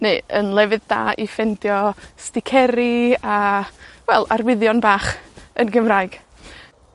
neu yn lefydd da i ffindio sticeri a, wel, arwyddion bach yn Gymraeg.